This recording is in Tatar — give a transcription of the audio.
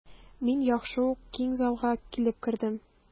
Мин яхшы ук киң залга килеп кердем.